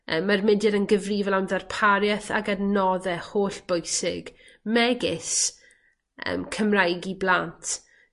yym ma'r mudiad yn gyfrifol am ddarparieth ag adnodde hollbwysig megis yym Cymraeg i blant